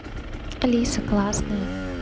алиса классные